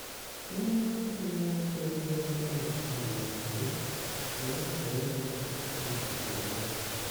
Onye ahịa ya kwụrụ ya dọla HK$500 (US$65) ka o see ya foto gburu ya.